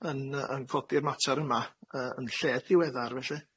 yn yy yn codi'r mater yma yy yn lled ddiweddar felly,